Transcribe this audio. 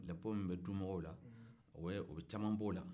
inpo min bɛ dumɔgɔw la o bɛ caman b'ola